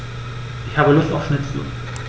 Ich habe Lust auf Schnitzel.